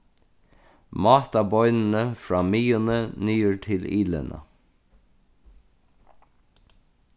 máta beinini frá miðjuni niður til ilina